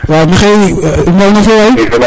maxey nafio waay